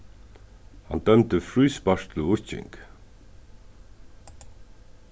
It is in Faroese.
hann dømdi fríspark til víking